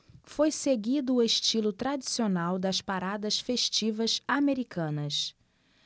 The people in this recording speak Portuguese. foi seguido o estilo tradicional das paradas festivas americanas